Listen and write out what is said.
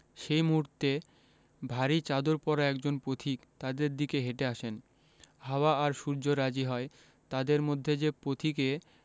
সেই মুহূর্তে ভারি চাদর পরা একজন পথিক তাদের দিকে হেটে আসেন হাওয়া আর সূর্য রাজি হয় তাদের মধ্যে যে পথিকে